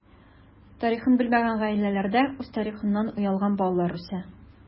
Тарихын белмәгән гаиләләрдә үз татарыннан оялган балалар үсә.